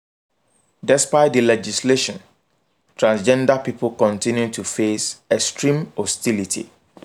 Despite the legislation, transgender people continue to face extreme hostility.